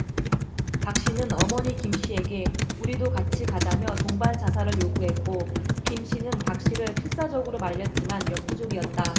박씨는 어머니 김씨에게 우리도 같이 가자며 동반 자살을 요구했고 김씨는 박씨를 필사적으로 말렸지만 역부족이었다